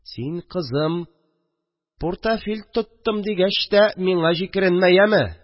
Син, кызым, пуртәфиль тоттым дигәч тә, мина җикеренмә, яме